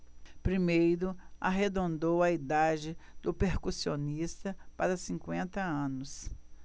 primeiro arredondou a idade do percussionista para cinquenta anos